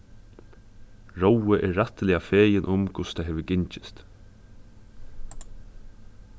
rói er rættiliga fegin um hvussu tað hevur gingist